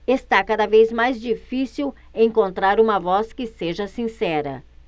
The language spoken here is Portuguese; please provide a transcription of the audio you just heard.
está cada vez mais difícil encontrar uma voz que seja sincera